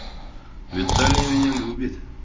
виталия меня любит